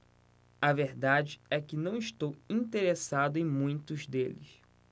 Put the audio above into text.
a verdade é que não estou interessado em muitos deles